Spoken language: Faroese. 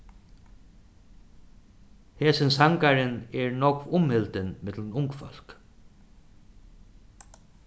hesin sangarin er nógv umhildin millum ungfólk